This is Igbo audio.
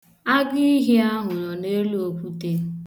Agụiyi ahụ nọ n' elu okwute.